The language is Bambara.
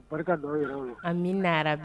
Bɛ